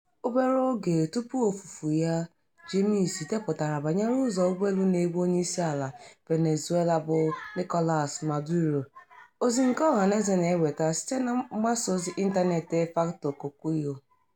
Obere ego tupu ofufu ya, Jaimes depụtara banyere ụzọ ụgbọelu na-ebu Onyeisiala Venezuela bụ Nicolas Maduro, ozi nke ọhanaeze na-enweta site na mgbasaozi ịntanetị Efecto Cocuyo.